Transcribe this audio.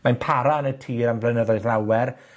mae'n para yn y tir am flynyddoedd lawer,